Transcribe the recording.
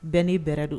Bɛ n'i bɛrɛ don